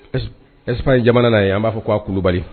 E ye jamana'a ye an b'a fɔ k'a kulubali